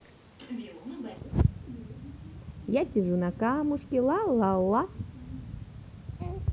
я сижу на камушке ла ла ла